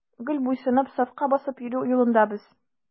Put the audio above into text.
Гел буйсынып, сафка басып йөрү юлында без.